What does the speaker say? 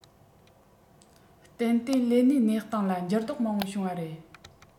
ཏན ཏན ལས གནས གནས སྟངས ལ འགྱུར ལྡོག མང པོ བྱུང བ རེད